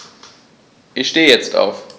Ich stehe jetzt auf.